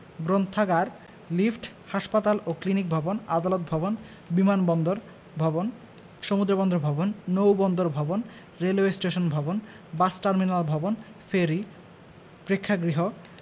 গ্রন্থাগার লিফট হাসপাতাল ও ক্লিনিক ভবন আদালত ভবন বিমানবন্দর ভবন সমুদ্র বন্দর ভবন নৌ বন্দর ভবন রেলওয়ে স্টেশন ভবন বাস টার্মিনাল ভবন ফেরি প্রেক্ষাগ্রহ